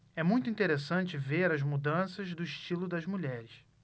é muito interessante ver as mudanças do estilo das mulheres